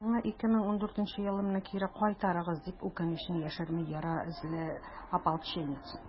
«миңа 2014 елымны кире кайтарыгыз!» - дип, үкенечен яшерми яра эзле ополченец.